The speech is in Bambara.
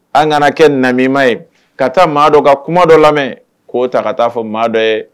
An kana kɛ nami ye ka taa maa dɔ ka kuma dɔ lamɛn k'o ta ka taa fɔ maa dɔ ye